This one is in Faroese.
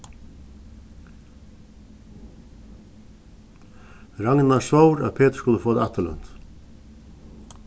ragnar svór at pætur skuldi fáa tað afturlønt